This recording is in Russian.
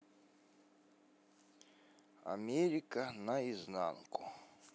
америка на изнанку